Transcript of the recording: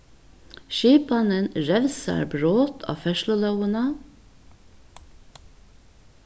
skipanin revsar brot á ferðslulógina